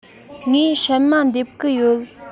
ངས སྲན མ འདེབས གི ཡོད